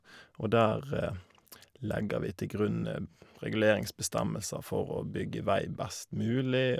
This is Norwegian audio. Og der legger vi til grunn reguleringsbestemmelser for å bygge vei best mulig.